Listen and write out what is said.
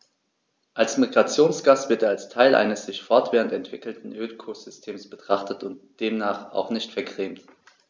Als Migrationsgast wird er als Teil eines sich fortwährend entwickelnden Ökosystems betrachtet und demnach auch nicht vergrämt.